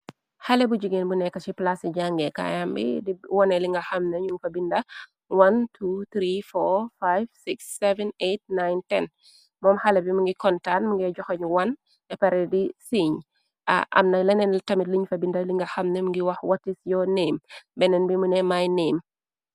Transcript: Xale bu jigéen bu nekk ci plaase i jànge kaayambi di wone linga xamnañu fa binda 1-345-678910 moom xale bim ngi kontaan mngay joxañ 1o eparédi siiñ amna leneen tamit liñ fa binda linga xamna ngi wax watis yoo neem benneen bi mune maay néem.